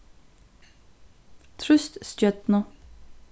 trýst stjørnu